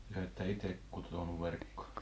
te ette itse kutonut verkkoa